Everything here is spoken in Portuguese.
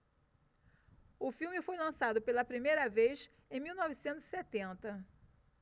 o filme foi lançado pela primeira vez em mil novecentos e setenta